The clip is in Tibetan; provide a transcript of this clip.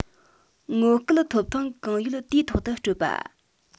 ངོ སྐལ ཐོབ ཐང གང ཡོད དུས ཐོག ཏུ སྤྲོད པ